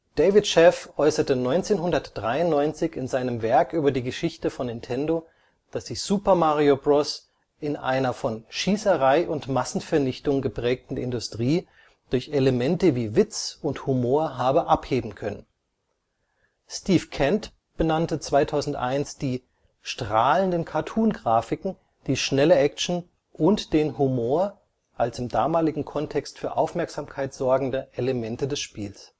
David Sheff äußerte 1993 in seinem Werk über die Geschichte von Nintendo, dass sich Super Mario Bros. in einer von „ Schießerei und Massenvernichtung “(„ shooting and mass destruction “) geprägten Industrie durch Elemente wie Witz und Humor habe abheben können. Steve L. Kent benannte 2001 die „ strahlenden Cartoon-Grafiken, die schnelle Action und den Humor “(„ bright cartoon-like graphics, fast action, and a sense of humor “) als im damaligen Kontext für Aufmerksamkeit sorgende Elemente des Spiels